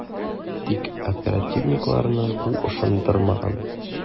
Тик оперативникларны бу ышандырмаган ..